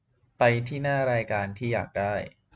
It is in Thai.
ไปหน้ารายการที่อยากได้